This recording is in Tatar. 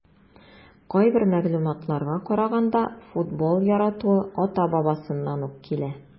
Кайбер мәгълүматларга караганда, футбол яратуы ата-бабасыннан ук килә.